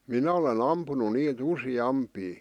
minä olen ampunut niitä useampia